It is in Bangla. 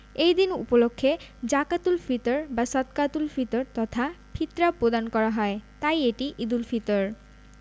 এই দিন উপলক্ষে জাকাতুল ফিতর বা সদকাতুল ফিতর তথা ফিতরা প্রদান করা হয় তাই এটি ঈদুল ফিতর